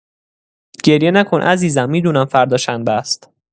گریه نکن عزیزم می‌دونم فردا شنبه است.